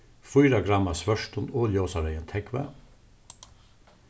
fýra gramm av svørtum og ljósareyðum tógvi